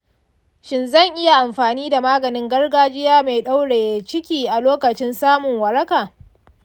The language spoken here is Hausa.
shin zan iya amfani da maganin gargajiya mai ɗauraye ciki a lokacin samun waraka?